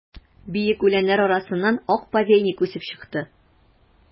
Биек үләннәр арасыннан ак повейник үсеп чыкты.